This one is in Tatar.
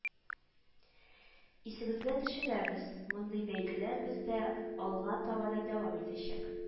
Исегезгә төшерәбез, мондый бәйгеләр бездә алга таба да дәвам итәчәк